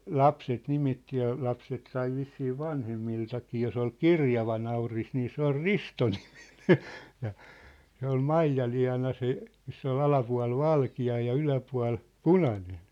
lapset nimitti ja lapset sai vissiin vanhemmiltakin jos oli kirjava nauris niin se oli Risto-niminen ja se oli Maijaliana se missä oli alapuoli valkea ja yläpuoli punainen